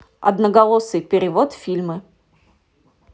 одноголосый перевод фильмы